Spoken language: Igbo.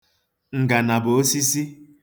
ngànàbà osisi